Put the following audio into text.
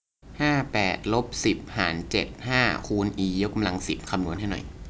ห้าแปดลบสิบหารเจ็ดห้าคูณอียกกำลังสิบคำนวณให้หน่อย